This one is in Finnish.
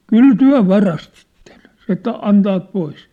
kyllä te varastitte se että antavat pois